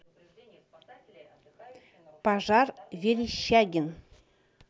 пожар верещагин